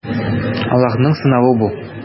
Аллаһның сынавы бу.